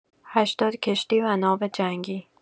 ۸۰ کشتی و ناو جنگی